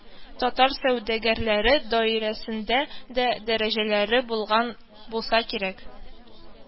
Татар сәүдәгәрләре даирәсендә дә дәрәҗәле булган булса кирәк